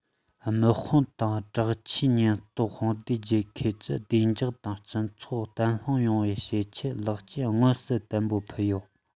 དམག དཔུང དང དྲག ཆས ཉེན རྟོག དཔུང སྡེས རྒྱལ ཁབ ཀྱི བདེ འཇགས དང སྤྱི ཚོགས བརྟན ལྷིང ཡོང བར བྱེད ཆེད ལེགས སྐྱེས མངོན གསལ དོད པོ ཕུལ ཡོད